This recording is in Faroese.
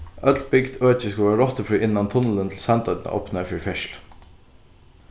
øll bygd øki skulu vera rottufrí innan tunnilin til sandoynna opnar fyri ferðslu